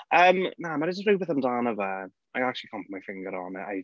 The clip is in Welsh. Yym, na mae yna just rhywbeth amdano fe. I actually can't put my finger on it.